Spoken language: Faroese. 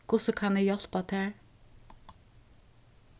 hvussu kann eg hjálpa tær